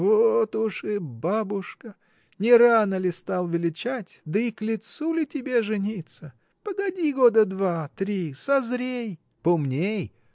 — Вот уж и бабушка: не рано ли стал величать? Да и к лицу ли тебе жениться? погоди года два-три — созрей. — Поумней!